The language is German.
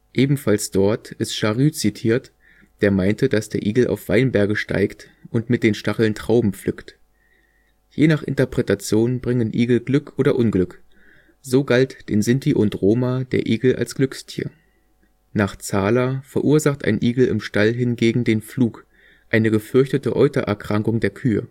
Ebenfalls dort ist Charus zitiert, der meinte, dass der Igel auf Weinberge steigt und mit den Stacheln Trauben pflückt. Je nach Interpretation bringen Igel Glück oder Unglück, so galt den Sinti und Roma der Igel als Glückstier. Nach Zahler verursacht ein Igel im Stall hingegen den „ Flug “, eine gefürchtete Eutererkrankung der Kühe. In